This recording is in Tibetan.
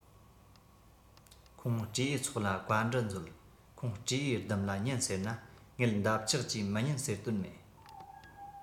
ཁོང སྤྲེའུའི ཚོགས ལ བཀའ འདྲི མཛོད ཁོང སྤྲེའུས སྡུམ ལ ཉན ཟེར ན ངེད འདབ ཆགས ཀྱིས མི ཉན ཟེར དོན མེད